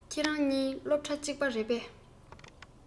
ཁྱེད རང གཉིས སློབ གྲྭ གཅིག རེད པས